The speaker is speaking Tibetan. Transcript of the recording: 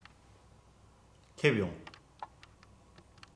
སླེབས ཡོང